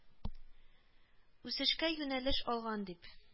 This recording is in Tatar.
Үсешкә юнәлеш алган, дип